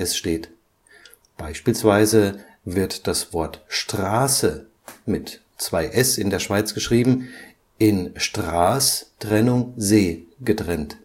steht. Beispielsweise wird das Wort Strasse (für Straße) in Stras-se getrennt